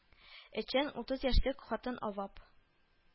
Өчен утыз яшьлек хатын авап